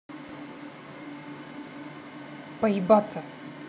поебаться